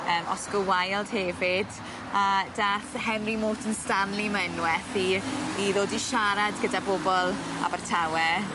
yym Oscar Wilde hefyd a dath Henry Moulton Stanley my' unweth i i ddod i siarad gyda bobol Abertawe.